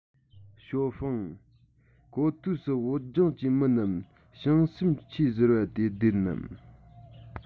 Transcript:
ཞའོ ཧྥུང གོ ཐོས སུ བོད ལྗོངས ཀྱི མི རྣམས བྱང སེམས ཆེ ཟེར བ དེ བདེན ནམ